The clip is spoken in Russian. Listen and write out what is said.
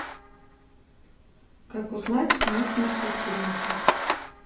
как узнать мощность светильника